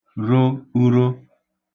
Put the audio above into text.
ro uro